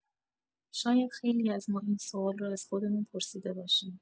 شاید خیلی از ما این سوال رو از خودمون پرسیده باشیم.